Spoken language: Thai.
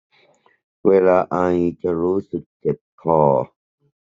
เวลาไอจะรู้สึกเจ็บคอ